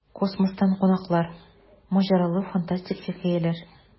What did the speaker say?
Космостан кунаклар: маҗаралы, фантастик хикәяләр.